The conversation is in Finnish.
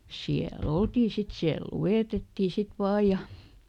siellä oltiin sitten siellä luetettiin sitten vain ja